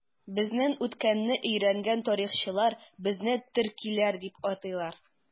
Безнең үткәнне өйрәнгән тарихчылар безне төркиләр дип атыйлар.